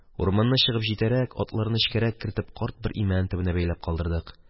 Урманны чыгып җитәрәк, атларны эчкәрәк кертеп, карт бер имән төбенә бәйләп калдырдык